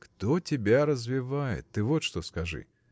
— Кто тебя развивает, ты вот что скажи?